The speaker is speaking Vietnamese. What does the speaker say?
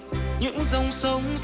những dòng sông